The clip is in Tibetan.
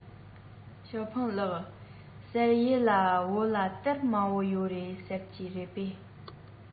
ཞའོ ཧྥུང ལགས ཟེར ཡས ལ བོད ལ གཏེར མང པོ ཡོད རེད ཟེར གྱིས རེད པས